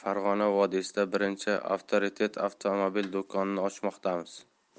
vodiysida birinchi avtoritet avtomobil do'konini ochmoqdamiz